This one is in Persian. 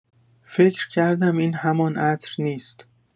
فکر کردم این همان عطر نیست.